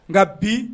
Nka bi